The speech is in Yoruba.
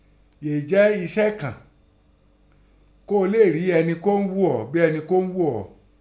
Yèé jẹ́ ẹṣẹ́ẹ̀ kàn kọ́ lè rí ọni mín ghò ó bẹ́n ọni mín ghò ó .